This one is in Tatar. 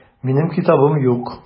Минем китабым юк.